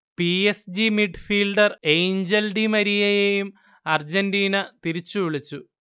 P. S. G midfielder Angel di മരിയയെയും Argentina തിരിച്ചുവിളിച്ചു